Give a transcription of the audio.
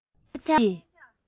རྟོག འཆར གྱི